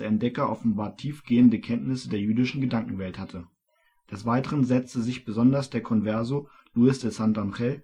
Entdecker offenbar tiefgehende Kenntnisse der jüdischen Gedankenwelt hatte. Des Weiteren setzte sich besonders der converso Luís de Santángel,